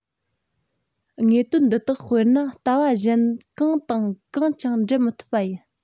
དངོས དོན འདི དག དཔེར ན ལྟ བ གཞན གང དང གང ཀྱང འགྲེལ མི ཐུབ པ ཡིན